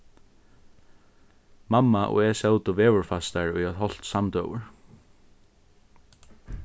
mamma og eg sótu veðurfastar í eitt hálvt samdøgur